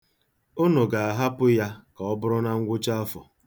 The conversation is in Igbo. Unu ga-ahapụ ya ka ọ bụrụ na ngwụchaafọ.